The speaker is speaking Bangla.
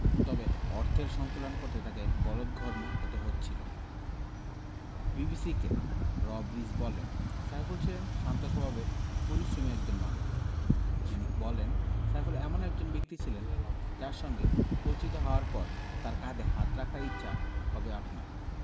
তবে অর্থের সংকুলান করতে তাঁকে গলদঘর্ম হতে হচ্ছিল বিবিসিকে রব রিজ বলেন সাইফুল ছিলেন শান্ত স্বভাবের পরিশ্রমী একজন মানুষ তিনি বলেন সাইফুল এমন একজন ব্যক্তি ছিলেন যাঁর সঙ্গে পরিচিত হওয়ার পর তাঁর কাঁধে হাত রাখার ইচ্ছা হবে আপনার